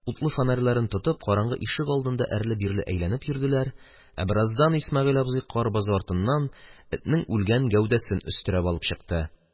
Утлы фонарьларын тотып, караңгы ишегалдында әрле-бирле әйләнеп йөрделәр, ә бераздан Исмәгыйль абзый кар базы артыннан этнең үлгән гәүдәсен өстерәп алып чыкты.